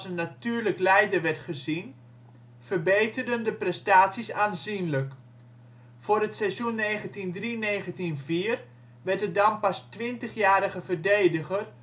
natuurlijk leider werd gezien, verbeterden de prestaties aanzienlijk. Voor het seizoen 1903-1904 werd de dan pas 20-jarige verdediger